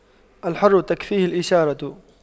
الحر تكفيه الإشارة